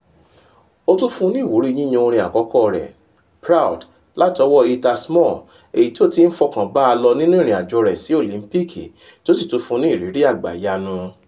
‘’O tún fún ní ìwúrí yíyan orin àkọ́kọ́ rẹ̀ - Proud by Heather Small - èyí tí ó tí ń fọkà bá lọ nínú ìrìnàjò rẹ̀ sí Òlìńpìkì tí ó sì tún fún ní ìrírí àgbàyanu.